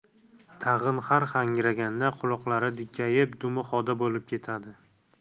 tag'in har hangraganda quloqlari dikkayib dumi xoda bo'lib ketadi